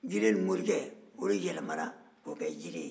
gireli mɔrikɛ o de yɛlɛmana k'o kɛ jire ye